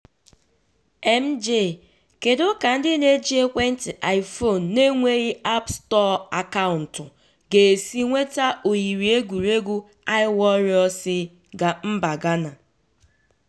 MJ: Kedu ka ndị na-eji ekwentị iPhone na-enweghi App Store akaụntụ ga-esi nweta oyiri egwuregwu iWarrior si mba Gana?